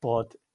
bod